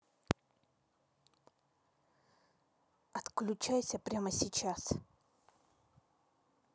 отключайся прямо сейчас